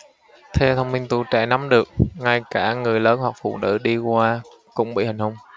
theo thông tin tuổi trẻ nắm được ngay cả người lớn hoặc phụ nữ đi qua cũng bị hành hung